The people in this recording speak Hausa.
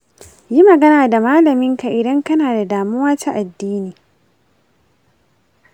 yi magana da malaminka idan kana da damuwa ta addini.